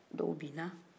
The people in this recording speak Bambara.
dɔw binna